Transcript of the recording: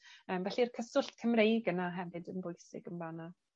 Yym felly'r cyswllt Cymreig yna hefyd yn bwysig yn fan 'na.